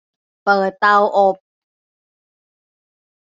เปิดเตาอบ